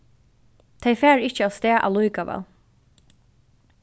tey fara ikki avstað allíkavæl